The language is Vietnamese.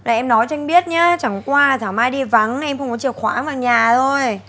này em nói cho anh biết nhá chẳng qua là thảo mai đi vắng nên em không có chìa khóa vào nhà thôi